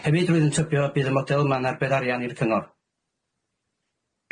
Hefyd rwyf yn tybio y bydd y model yma'n arbed arian i'r Cyngor.